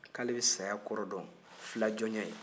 ko ale bɛ saya kɔrɔ dɔn fulajɔnya ye